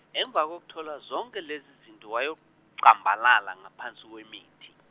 emva kokuthola zonke lezi zinto wayo, kucambalala ngaphansi kwemithi.